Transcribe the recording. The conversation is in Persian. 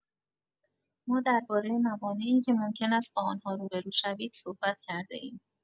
ما درباره موانعی که ممکن است با آن‌ها روبه‌رو شوید صحبت کرده‌ایم.